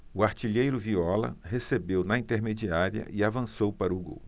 o artilheiro viola recebeu na intermediária e avançou para o gol